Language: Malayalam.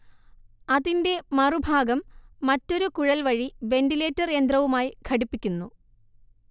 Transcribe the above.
അതിന്റെ മറുഭാഗം മറ്റൊരു കുഴൽ വഴി വെന്റിലേറ്റർ യന്ത്രവുമായി ഘടിപ്പിക്കുന്നു